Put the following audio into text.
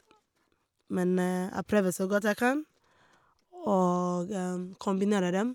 Men jeg prøver så godt jeg kan og kombinere dem.